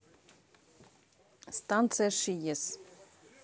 станция шиес